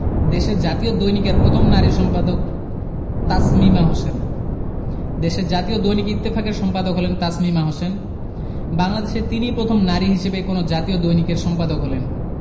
দেশের জাতীয় দৈনিকের প্রথম নারী সম্পাদক তাসমিমা হোসেন দেশের জাতীয় দৈনিক ইত্তেফাকের সম্পাদক হলেন তাসমিমা হোসেন বাংলাদেশে তিনিই প্রথম নারী হিসেবে কোনো জাতীয় দৈনিকের সম্পাদক হলেন